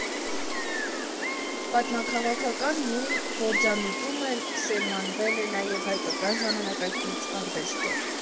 Պատմաքաղաքական նույն հորձանուտում էլ սերմանվել է նաև հայկական Ժամանակակից արվեստը։